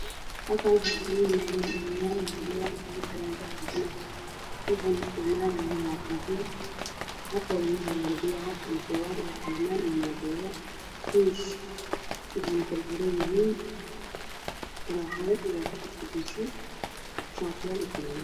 Halkaan waxaa iskugu imaaday dhalinyaro iskugu jiro rag iyo dumar waxay isticmaalaayaan laabtoobyo hortooda waxaa yaalo buugag, biyo caafi, muubeelo iyo tiish waxay kala xiran yihiin taraaxado iyo iskudaysyo. Shaatiyaal.